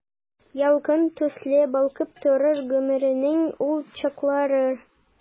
Ялкын төсле балкып торыр гомернең ул чаклары.